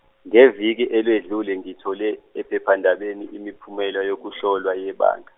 ngeviki eledlule ngithole, ephephandabeni imiphumela yokuhlolwa yebanga.